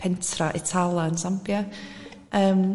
pentra Etala yn Zambia yym